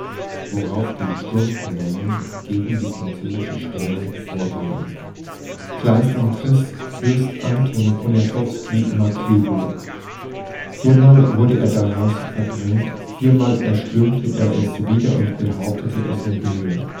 worauf die Sturmkolonnen gegen die französische Stellung vorgingen. Kleist entriss Fürst Josef Anton Poniatowski Markkleeberg; viermal wurde er daraus verdrängt, viermal erstürmte er es wieder und behauptete es mit Mühe